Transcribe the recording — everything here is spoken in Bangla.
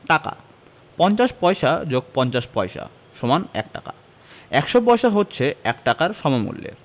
টাকাঃ ৫০ পয়সা যোগ ৫০ পয়স সমান ১ টাকা ১০০ পয়সা হচ্ছে ১ টাকার সমমূল্যের